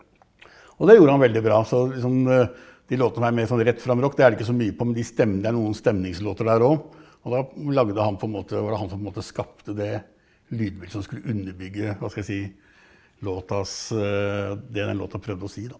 og det gjorde han veldig bra så liksom de låtene er mer sånn rett fram rock, det er det ikke så mye på men de det er noen stemningslåter der òg og da lagde han på en måte var det han som på en måte skapte det lydbildet som skulle underbygge hva skal jeg si låtas det den låta prøvde å si da.